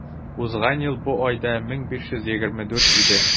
Узган ел бу айда 1524 иде.